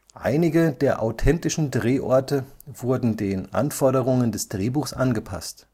Einige der authentischen Drehorte wurden den Anforderungen des Drehbuchs angepasst